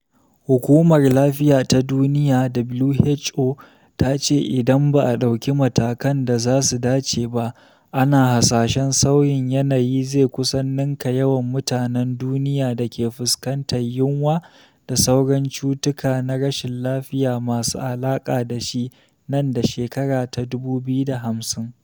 Hukumar Lafiya ta Duniya (WHO) ta ce idan ba a ɗauki matakan da suka dace ba, ana hasashen sauyin yanayi zai kusan ninka yawan mutanen duniya da ke fuskantar yunwa da sauran cutuka na rashin lafiya masu alaƙa da shi nan da shekara ta 2050.